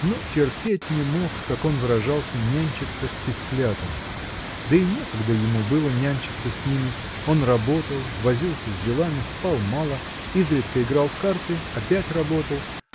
но терпеть не мог, как он выражался, нянчиться с писклятами, -- да и некогда ему было нянчиться с ними: он работал, возился с делами, спал мало, изредка играл в карты, опять работал